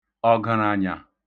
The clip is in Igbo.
ọ̀ġə̣̀rànyà